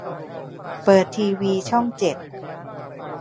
เปิดทีวีช่องเจ็ด